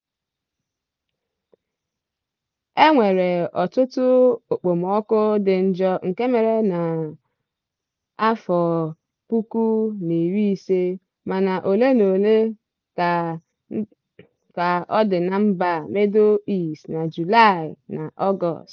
Enwere ọtụtụ okpomọkụ dị njọ nke mere na 2015, mana ole na ole ka ọ dị na mba Middle East na Julai na Ọgọọst.